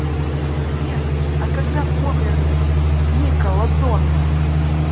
сбер а когда померли ника ладона